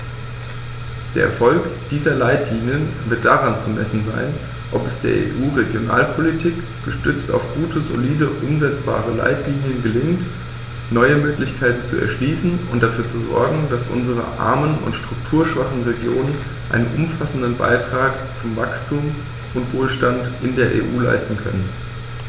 Der Erfolg dieser Leitlinien wird daran zu messen sein, ob es der EU-Regionalpolitik, gestützt auf gute, solide und umsetzbare Leitlinien, gelingt, neue Möglichkeiten zu erschließen und dafür zu sorgen, dass unsere armen und strukturschwachen Regionen einen umfassenden Beitrag zu Wachstum und Wohlstand in der EU leisten können.